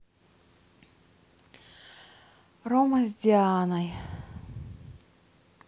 рома с дианой